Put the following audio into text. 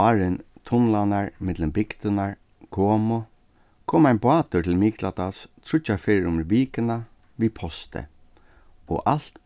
áðrenn tunlarnar millum bygdirnar komu kom ein bátur til mikladals tríggjar ferðir um vikuna við posti og alt